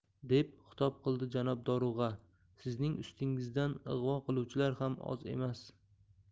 deb xitob qildi janob dorug'a sizning ustingizdan ig'vo qiluvchilar ham oz emas